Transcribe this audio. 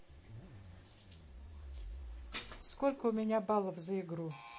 сколько у меня баллов за игру